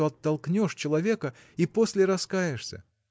что оттолкнешь человека и после раскаешься?